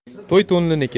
to'y to'nliniki